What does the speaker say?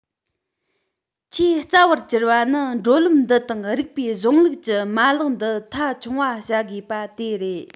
ཆེས རྩ བར གྱུར པ ནི འགྲོ ལམ འདི དང རིགས པའི གཞུང ལུགས ཀྱི མ ལག འདི མཐའ འཁྱོངས བྱ དགོས པ དེ རེད